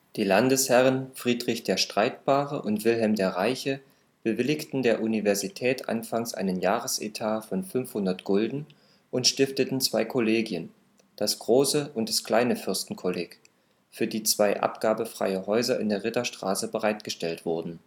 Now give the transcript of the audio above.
Die Landesherren, Friedrich der Streitbare und Wilhelm der Reiche, bewilligten der Universität anfangs einen Jahresetat von 500 Gulden und stifteten zwei Kollegien, das große und das kleine Fürstenkolleg, für die zwei abgabefreie Häuser in der Ritterstraße bereitgestellt wurden